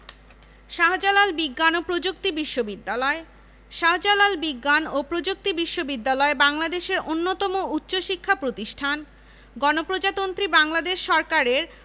শাহ্জালাল বিজ্ঞান ও প্রযুক্তি বিশ্ববিদ্যালয় শাহ্জালাল বিজ্ঞান ও প্রযুক্তি বিশ্ববিদ্যালয় বাংলাদেশের অন্যতম উচ্চশিক্ষা প্রতিষ্ঠান গণপ্রজাতন্ত্রী বাংলাদেশ সরকারের